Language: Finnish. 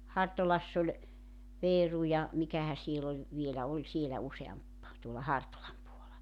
Hartolassa oli Veeru ja mikähän siellä oli vielä oli siellä useampi tuolla Hartolan puolella